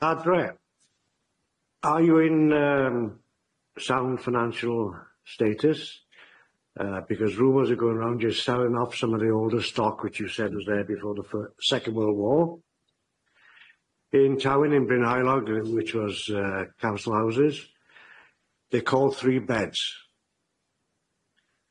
Adre, are you in yym sound financial status? Yy because rumours are going around you're selling off some of the older stock which you said was there before the fyr- second world war, in Tawyn in Bryn Haelog which was yy council houses they're called three beds.